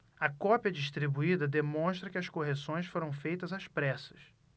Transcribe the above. a cópia distribuída demonstra que as correções foram feitas às pressas